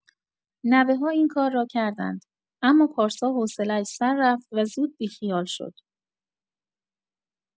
نوه‌ها این کار را کردند، اما پارسا حوصله‌اش سر رفت و زود بی‌خیال شد.